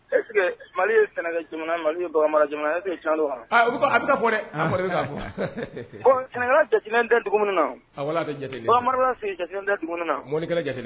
Ɛ mali ye sɛnɛ na yema jamana e calo a ka bɔn sɛnɛ jate tɛ dumuni na ase tɛ dumuni na mɔnkɛna